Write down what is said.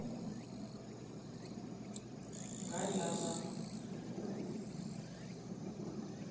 гаязов